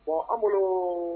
Bon a amadu